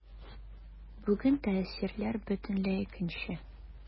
Бүген тәэсирләр бөтенләй икенче.